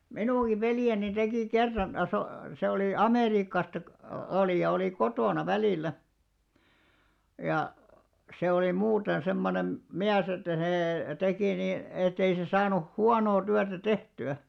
minunkin veljeni teki kerran -- se oli Amerikasta - oli ja oli kotona välillä ja se oli muuten semmoinen mies että se teki niin että ei se saanut huonoa työtä tehtyä